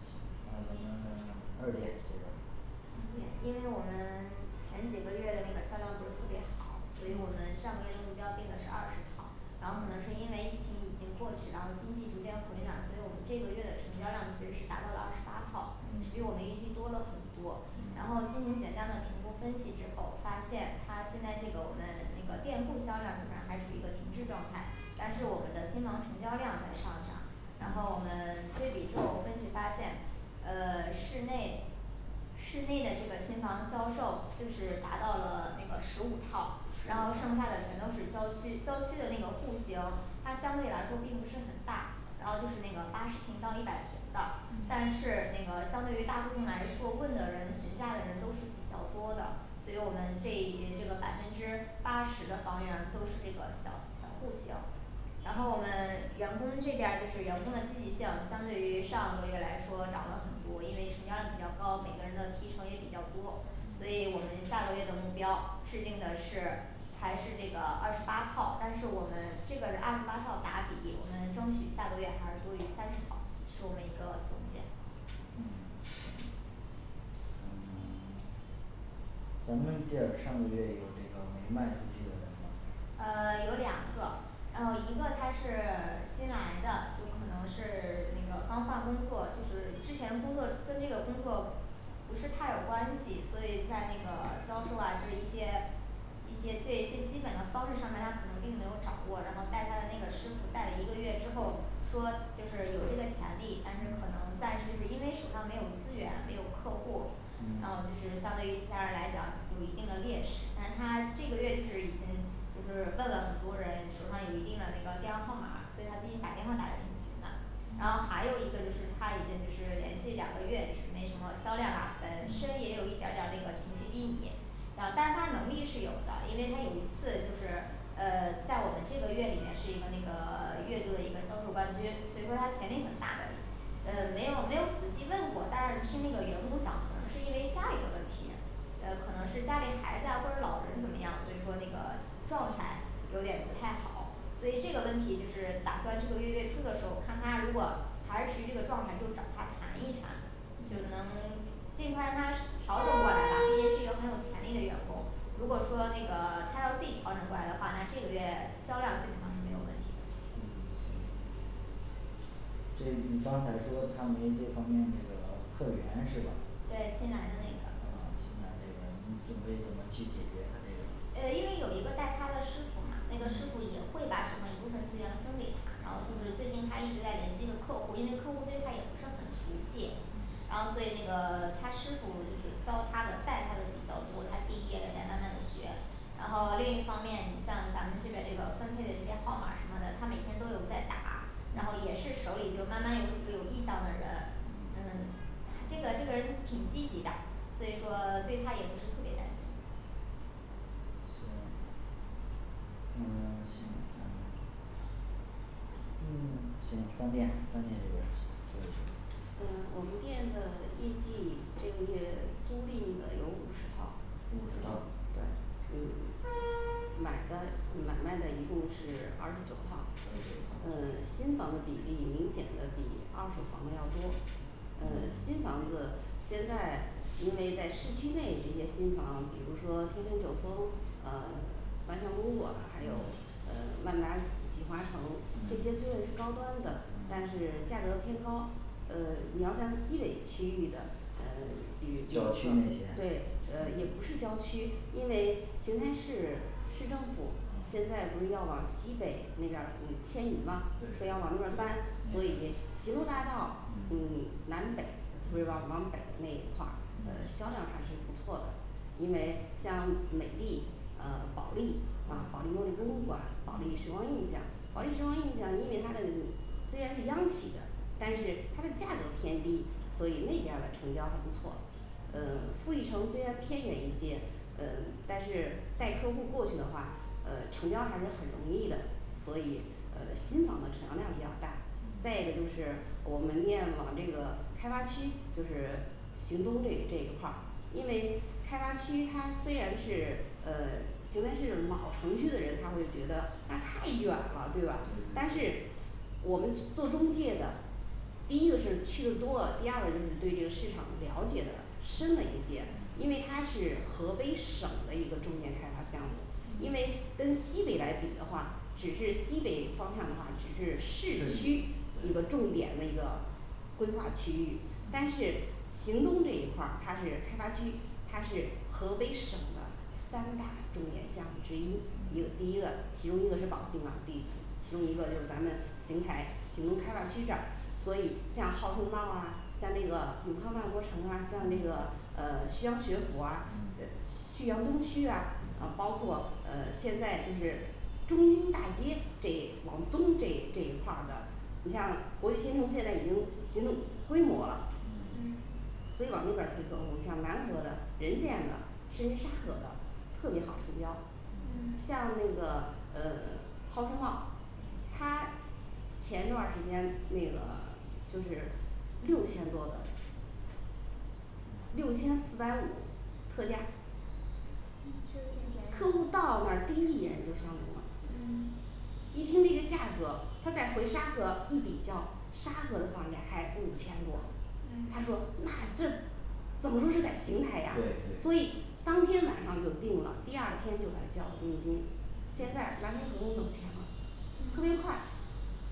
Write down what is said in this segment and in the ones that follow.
行那咱们 二店这边儿嗯店因为我们 前几个月的那个销量不是特别好，所以我们上个月的目标定的是二十套然后可能嗯是因为疫情已经过去，然后经济逐渐回暖，所以我们这个月的成交量其实是达到了二十八套，是比嗯我们预计多了很多。嗯然后进行简单的评估，分析之后发现他现在这个我们那个店铺销量基本上还处于一个停滞状态，但是我们的新房成交量在上涨然后我嗯们 对比之后分析发现，呃 室内室内的这个新房销售就是达到了那个十五套，然后十剩下的五全都套是郊区郊区的那个户型，它相对来说并不是很大然后就是那个八十平到一百平的，嗯但是那个相对于大户型来说，说问的人询价的人都是比较多的，所以我们这 这个百分之八十的房源都是这个小小户型然后我们员工这边儿就是员工的积极性相对于上个月来说涨了很多，因为成交量比较高，每个人的提成也比较多，所以我们下个月的目标制定的是还是这个二十八套，但是我们这个是二十八套打底我们争取下个月还是多于三十套，这是我们一个总结嗯行嗯 咱们店儿上个月有这个没卖出去的人吗呃 有两个，然后一个他是 新来的，就可能是 那个刚换工作就是之前工作跟这个工作不是太有关系，所以在那个销售啊就是一些一些最最基本的方式上面，他可能并没有掌握，然后带他的那个师傅带了一个月之后说就是有这个潜力，但是可能嗯暂时不因为手上没有资源，没有客户，然嗯后就是相对于其他人来讲有一定的劣势，但是他这个月就是已经就是问了很多人，手上有一定的那个电话号码儿，所以他最近打电话打的挺勤的然后嗯还有一个就是他已经就是连续两个月没什么销量了，嗯本身也有一点儿点儿那个情绪低迷像但是他能力是有的，因为他有一次就是呃 在我们这个月里面是一个那个 月度的一个销售冠军，所以说他潜力很大的也呃没有没有仔细问过，但是听那个嗯员工讲可能是因为家里的问题呃可能是家里孩子啊或者老人怎么样，所以说那个状态有点不太好所以这个问题就是打算这个月月初的时候看他如果还是持这个状态就是找他谈一谈尽肯能嗯 尽快让他是 调整过来吧，毕竟是一个很有潜力的员工如果说那个 他要自己调整过来的话，那这个月销量基本上是没有问题的嗯行这你刚才说他没这方面这个客源是吧对新来的那啊个，新来的这个你准备怎么去解决他这个嗯嗯呃因为有一个带他的师傅嘛，那个师傅也嗯会把什么一部分资源分给他，然后就是最近他一直在联系一个客户，因为客户对他也不是很熟悉，嗯然后所以那个 他师傅就是教他的带他的比较多，他自己也在在慢慢的学然后另一方面你像咱们这边这个分配的这些号码什么的，他每天都有在打，然后也嗯是手里就慢慢有几个有意向的人嗯嗯这个这个人挺积极的，所以说 对他也不是特别担心行嗯 行咱们嗯行三店三店这边儿说一下儿吧嗯我们店的业绩这个月租赁的有五十套五十套对嗯，买的买卖的一共是二十九套二十九，套嗯新房的比例明显的比二手房的要多呃新嗯房子现在因为在市区内这些新房，比如说天天九峰呃环球公馆还有嗯呃万达锦华城这嗯些虽然是高端的嗯，但是价格偏高呃你要咱西北区域的呃郊区那些对，呃也不是郊区，因为邢台市市政府现在不是要往西北那边儿嗯迁移嘛，说对要往那边儿搬，所嗯以邢州大道嗯嗯南北特别往往北的那一块儿呃销嗯量还是不错的因为像美丽呃保利啊保利嗯茉莉公馆，保利嗯时光印象，保利时光印象因为它的虽然是央企的，但是它的价格偏低，所以那边儿成交不错呃富裕城虽然偏远一些，呃但是带客户过去的话呃成交还是很容易的，所以呃新房的成交量比较大再一个嗯就是我们店往这个开发区就是邢东这这一块儿，因为开发区它虽然是呃邢台市老城区的人，他会觉得啊会觉得太远了，对吧？但对对是我们做中介的第一个是去的多了，第二个就是对这个市场了解的深了一些，因嗯为他是河北省的一个重点开发项目，因嗯为跟西北来比的话，只是西北方向的话，只是市市区对一个重点的一个规划区域，但嗯是邢东这一块儿他是开发区，他是河北省的三大重点项目之一，一个嗯第一个其中一个是保定港地其中一个就是咱们邢台邢东开发区这儿，所以像皓顺茂啊，像那个永康万国城啊，像那个呃旭阳学府啊呃嗯旭阳东区啊，啊包括呃现在就是中兴大街这一往东这一这一块儿的，你像国际新城现在已经形成规模了嗯嗯所以往那边儿推动像南和的任县的深沙河的特别好成交嗯嗯像那个呃皓顺茂它前段儿时间那个 就是六千多的六千四百五特价嗯是客户挺便宜到那儿的第一眼就相中了嗯一听这个价格，他在回沙河一比较沙河的房价还五千多嗯，他说那这怎么说是在邢台对呀，对所以当天晚上就定了，第二天就给它交定金。现在咱们合同都签了特嗯别快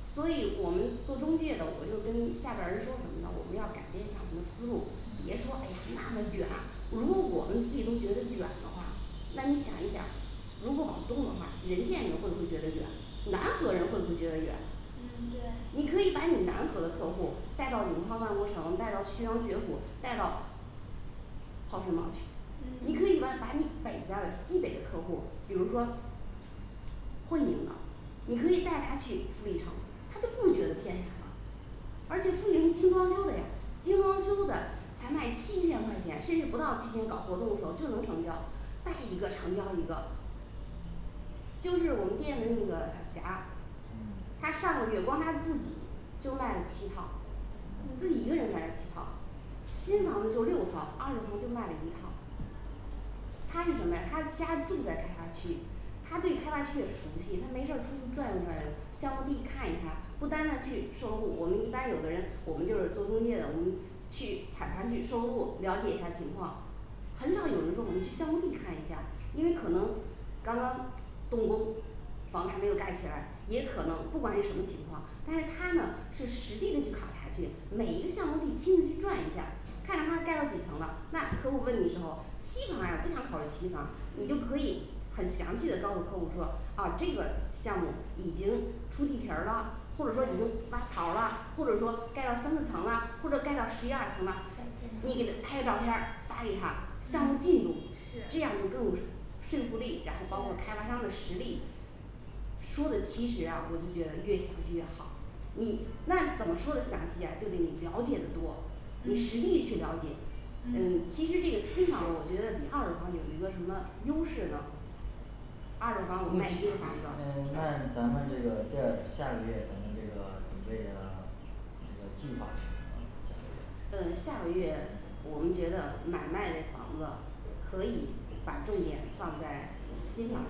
所以我们做中介的，我就跟下边儿人说什么呢，我们要改变一下我们的思路，别说哎呀那么远，如果我们自己都觉得远的话，那你想一想如果往东的话，任县也会不会觉得远，南和人会不会觉得远？嗯对你可以把你南和的客户带到永康万国城带到旭阳学府带到皓顺茂去你嗯可以把把你北边儿的西北的客户儿比如说会宁的你可以带她去富丽城，他就不觉得偏远了而且富丽城精装修的呀，精装修的才卖七千块钱，甚至不到七千，搞活动的时候就能成交，带一个成交一个就是我们店的那个霞，嗯他上个月光他自己就卖了七套自己一个人买了七嗯套，新房子就六套二十层就卖了一套他是什么呀？他家住在开发区他对开发区也熟悉，他没事儿出去转悠转悠，项目地看一看，不单单去收录，我们一般有的人我们就是做中介的，我们去踩盘去收录了解一下儿情况很少有人说我们去项目地看一下，因为可能刚刚动工房子还没有盖起来，也可能不管是什么情况，但是他呢是实地的去考察去，每一个项目地亲自去转一下看看他盖到几层了，那客户问你时候基本上不想考虑期房，你就可以嗯很详细地告诉客户说，啊这个项目已经出地皮儿了，或者说已经对把草了或者说盖到三四层啦，或者盖到十一二层了，你给他拍个照片儿发给他项目进度嗯是，这样就更有说说服力，然后包括开对发商的实力说的其实啊我就觉得越详细越好，你那怎么说的详细啊就得了解的多你嗯实地去了解嗯嗯其实这个新房我觉得比二手房有一个什么优势呢二手房买新房子呃那咱们这个店儿下个月咱们这个准备的 这个计划是怎么考虑的呃下个月我们觉得买卖的房子可以把证件放在新新房房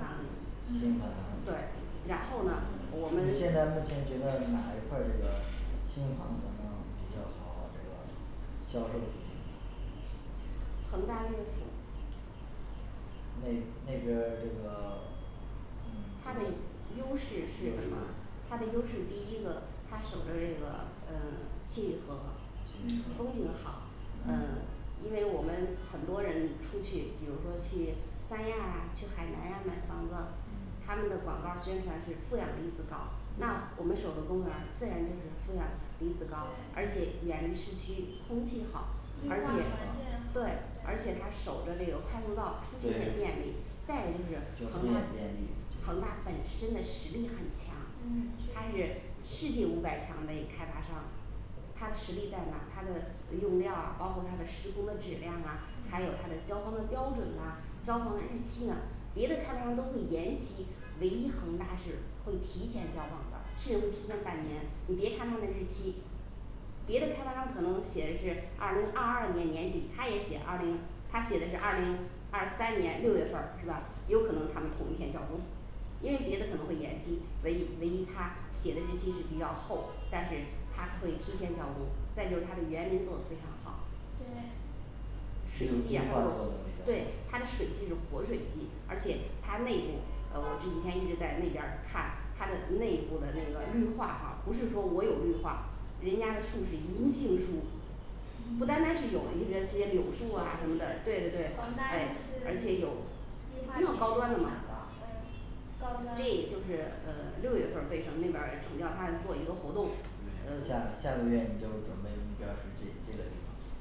子子新房对然后呢我们现在目前觉得哪一块儿这个新房子咱们比较好这个销售出去恒大悦府那那边儿这个 嗯它的优优势势是什么吗？它的优势第一个它守着这个嗯 七里河嗯风景好嗯 嗯因为我们很多人出去，比如说去三亚啊去海南呀买房子嗯，他们的广告儿宣传是负氧离子高，那我们守着公园儿自然就是负氧离子高，而对且远离市区空气好绿化环境好而且对而且他对守着这个快速道出行也对便利，再一个交就是通恒也安便利，恒大本身的实力很强嗯，他是世界五百强的一个开发商它实力在哪？它的用料啊包括它的施工的质量啊，还有它的交工的标准啊，交房的日期呢，别的开发商都会延期，唯一恒大是会提前交房的，是会提前半年，你别看它的日期别的开发商可能写的是二零二二年年底他也写二零，他写的是二零二三年六月份儿是吧，有可能他们同一天交工因为别的可能会延期，唯一唯一他写的日期是比较后，但是他会提前交工，再就是他的园林做得非常好对是规划过的比对较它的水是活水系，而且它内部呃我这几天一直在那边儿看它的内部的那个绿化哈，不是说我有绿化，人家的树是银杏树不单嗯单是有一些这些柳树什么的，对对对，恒大诶而就是且有也绿有化高端的嗯高立就是端呃六月份儿为什么那边儿要开始做一个活动呃对下下个月你就是准备目标儿是这这个地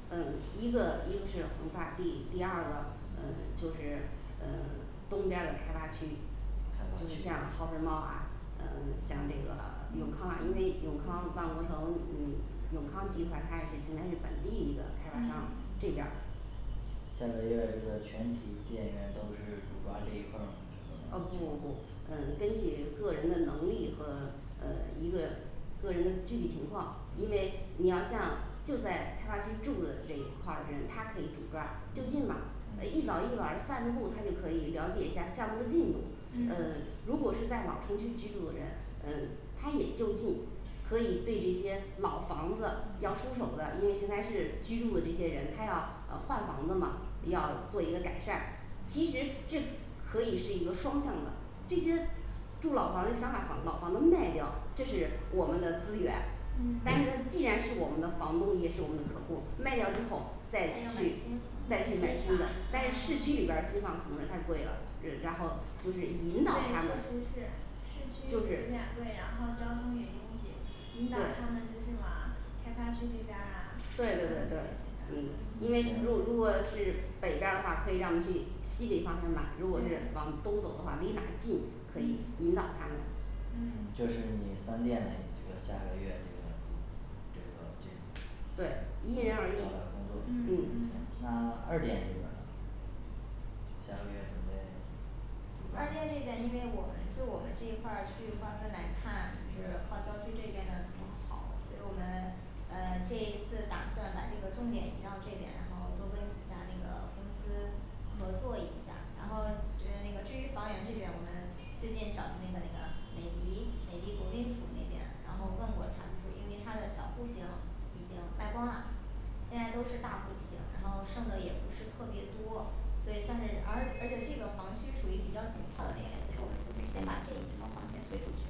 方呃一个一个是恒大，第第二个呃就是嗯东边儿的开发区开发就像区皓顺茂啊，嗯像那个永康啊，因为永康、万国城嗯、永康集团，它也是邢台市本地一个开发嗯商，这边儿下个月这个全体店员都是主抓这一块儿吗哦不不不嗯根据个人的能力和嗯一个个人的具体情况，因为你要像就在开发区种的这一块儿的人，他可以主抓就近嘛嗯呃一早一晚散步，他就可以了解一下项目的进度嗯如果呃是在往城区居住的人，他也就近可以对这些老房子要出手的，因为邢台市居住的这些人，他要呃换房子嘛要做一个改善，其实这可以是一个双向的这些住老房的想把房老房子卖掉这是我们的资源嗯但是必然是我们的房东，也是我们的客户，卖掉之后再再要买去新再买去新买新房的，但是市区嗯里边儿新房子太贵了，日 然后就是引导对他们确实是市区就房是价贵，然后交通也拥挤引导他对们就是往开发区这边儿啊这边儿对对对对嗯因为如如果是北边儿的话，可以让我们去西北方向吧，如果是对往东走的话，离哪近可以嗯引导他们嗯这是你三店嘞这个下个月这个这个这对因块人而儿工异嗯作嗯嗯那二店这边儿呢下个月准备二店这边，因为我们就我们这一块儿区域划分来看，就是靠郊区这边不好，所以我们呃这一次打算把这个重点移到这边，然后多跟几家那个公司合作一下，然后至于那个至于房源这边，我们最近找的那个那个美的美的国宾府那边，然后问过他，就是因为他的小户型已经卖光啦现在都是大户型，然后剩的也不是特别多，所以相对而而且这个房区属于比较紧凑的那一类，所以我们就是先把这几套房先推出去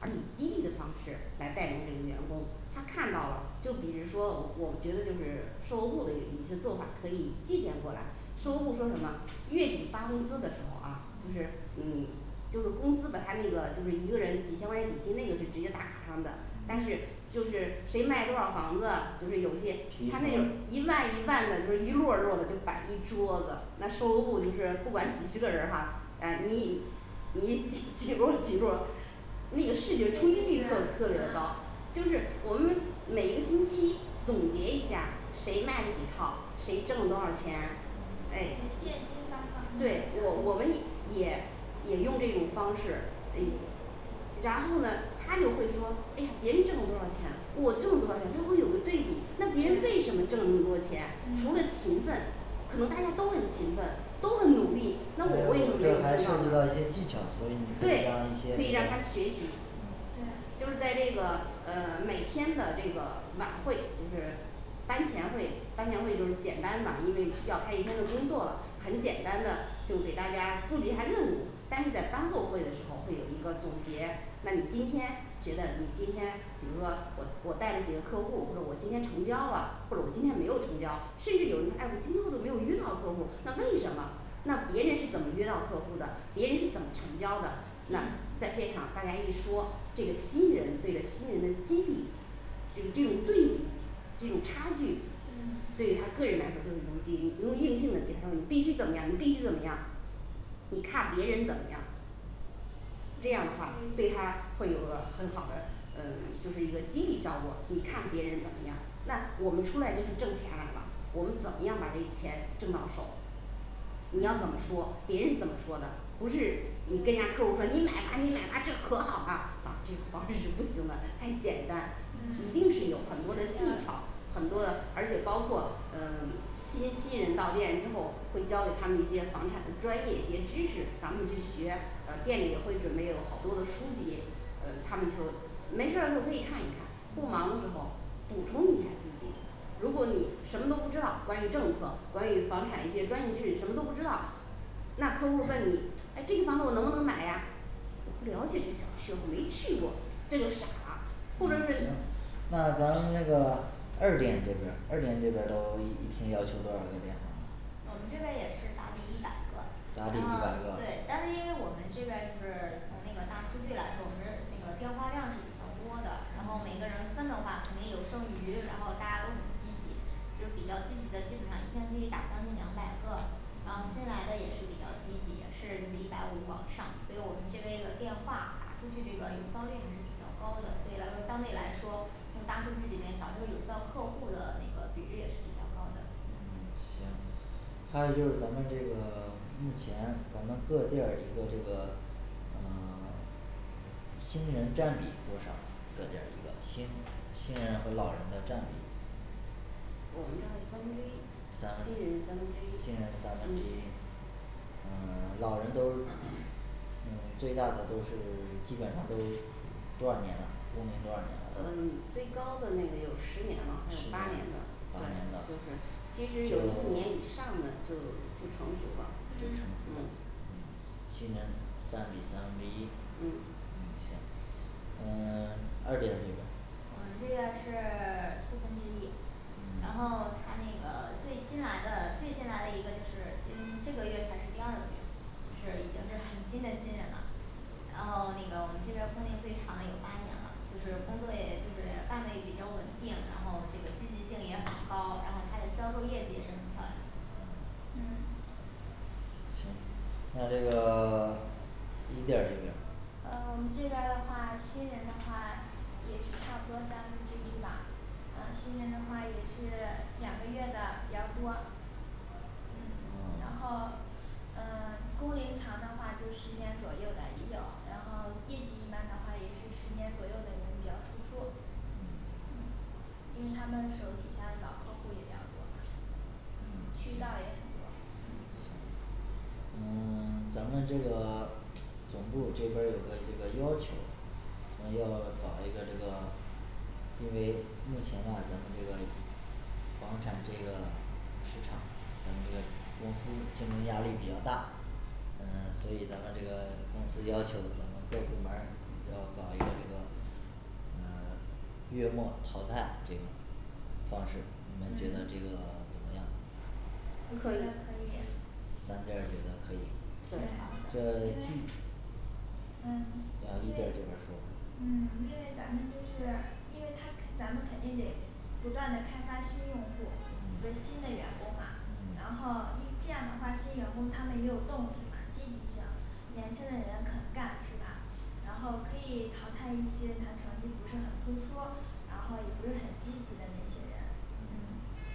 而以激励的方式来带动这个员工他看到了就比如说我觉得就是售楼部的有一些做法可以借鉴过来售楼部说什么月底发工资的时候啊，就是嗯就是公司把他那个就是一个人几千块钱底薪那个是直接打卡上的，但嗯是就是谁卖多少房子，就是提有些他那种成一万一万的就是一摞儿这种就摆一桌子，那售楼部就是不管几十个人儿哈，啊你你几几摞儿几摞儿 那个视觉冲击力特就特别是高啊就是我们每一个星期总结一下谁卖了几套，谁挣了多少钱嗯。就是诶现金发放方对式我我们也也用这种方式呃也然后呢他就会说哎呀别人挣了多少钱，我挣多少钱，他会有个对比，那别人对为什么挣那么多钱，除嗯了勤奋可能大家都很勤奋，都很努力还有，那我为什么没有必这要还涉及到一些技巧，所以你，可以对让一，些可以这个让嗯他学习，对就是在这个呃每天的这个晚会，就是班前会班前会就是简单的因为要开一天的工作了，很简单的就给大家布置一下任务，但是在班后会的时候会有一个总结，那你今天，觉得你今天比如说我我带了几个客户，或者我今天成交了，或者我今天没有成交，甚至有人说哎我今天我都没有约到客户儿，那为什么那别人是怎么约到客户的，别人是怎么成交的？那嗯在现场大家一说这个新人对着新人的激励这个这种对比，这种差距嗯对于他个人来说，就是种激励，不用硬性的给他说你必须怎么样，你必须怎么样你卡别人怎么样这样的话可以对他会有个很好的嗯就是一个激励效果，你看别人怎么样，那我们出来就是挣钱来了，我们怎么样把这钱挣到手你要怎么嗯说别人怎么说的，不是你跟对人家客户说你买吧，你买吧这可好了，啊这个方式是不行的， 太简单，嗯一定是有很多的技巧很多的对而且包括嗯新新人到店之后会教给他们一些房产的专业一些知识，咱们去学呃店里会准备有好多的书籍，呃他们就没事儿的时候可以看一看，嗯不忙的时候补充一下自己如果你什么都不知道，关于政策关于房产一些专业知识什么都不知道那客户儿问你哎这个房子我能不能买呀我不了解这个小区我没去过，这就傻或者是嗯行那咱那个二店这边儿，二店这边儿都一一天要求多少个电电话呢我们这边儿也是打底一百个，然打后底一百个对，但是因为我们这边儿就是从那个大数据来说，我们这是那个电话量是比较多的，然后嗯每个人分的话肯定有剩余，然后大家都很积极就是比较积极的，基本上一天可以打将近两百个啊新来的也是比较积极，也是就是一百五往上，所以我们这边的电话打出去这个有效率还是比较高的，所以来说相对来说从大数据里边找出有效客户的那个比率也是比较高的嗯行还有就是咱们这个 目前咱们各店儿一个这个嗯 新人占比多少各店儿一个新新人和老人的占比我们这儿的三分之一，新人三分之一三分新人三分之一嗯嗯 老人都 嗯最大的都是 基本上都多少年了，工龄多少年了，十年八年的呃最高的那个有十年了，还有八年的对就是其实有有一年以上的就就成熟了成熟嗯了嗯嗯新人占比三分之一嗯嗯行嗯二店这边儿我们这边儿是 四分之一嗯然后他那个最新来的最近来的一个就是新这个月才是第二个月是已经是很新的新人啦然后那个我们这边儿工龄最长的有八年了，就是工作也就是也干得也比较稳定，然后这个积极性也很高，然后他的销售业绩也是很漂亮嗯行那这个 一店儿这边儿啊我们这边儿的话新人的话也是差不多三分之一吧，啊新人的话也是两个月的比较多嗯然哦后嗯 工龄长的话就十年左右的也有，然后业绩一般的话也是十年左右的人比较突出。嗯嗯因为他们手底下老客户也比较多嘛嗯渠道也很多嗯行嗯 咱们这个 总部儿这边儿有个这个要求咱要搞一个这个因为目前呐咱们这个房产这个市场，咱们这个公司竞争压力比较大嗯 所以咱们这个公司要求咱们各部门儿要搞一个这个嗯 月末淘汰这个方式你们觉嗯得这个 怎么样觉不得可可以以对三店儿觉得可以挺好对这因的个为疫嗯那因一店儿为这边儿说吧嗯因为咱们就是因为它肯咱们肯定得不断的开发新用户为嗯新的员工嘛，嗯然后一 这样的话，新员工他们也有动力嘛积极性，年轻的人肯干是吧然后可以淘汰一些，他成绩不是很突出，然后也不是很积极的那些人嗯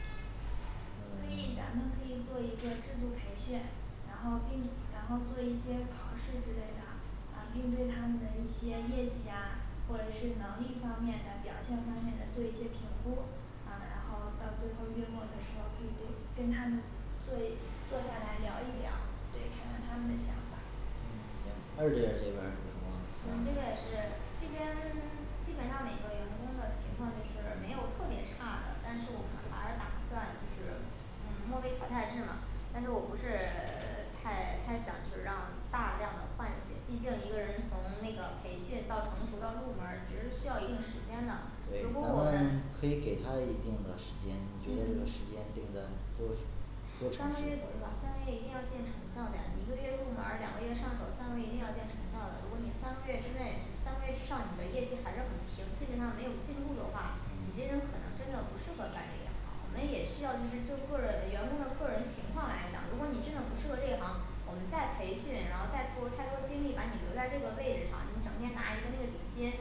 可以嗯 咱们可以做一个制度培训然后并然后做一些考试之类的啊并对他们的一些业绩呀或者是能力方面的表现方面的做一些评估，啊然后到最后月末的时候可以对跟他们坐一坐下来聊一聊，对看看他们的想法嗯行，二店儿这边儿有什么我们这边儿也是这边 基本上每个员工的情况就是没有特别差的，但是我们还是打算就是嗯末位淘汰制嘛，但是我不是 太太想去让大量的换血，毕竟一个人从那个培训到成熟到入门儿，其实需要一定时间的，对如果咱我们们 可以给他嗯一定的时间，觉得这个时间定在多多三长时个间月左右吧三个月一定要见成效的呀，一个月入门儿两个月上手，三个月一定要见成效的，如果你三个月之内就是三个月之上你的业绩还是很平，基本上没有进步的话，你嗯这人可能真的不适合办这一行，我们也需要就是就个人员工的个人情况来讲，如果你真的不适合这一行我们再培训，然后再投入太多精力把你留在这个位置上，你整天拿一个那个底薪